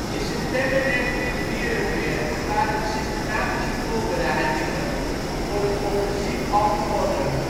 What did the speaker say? In september 1944 waren de systematische voorbereidingen voor het offensief al begonnen